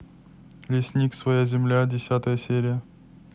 лесник своя земля десятая серия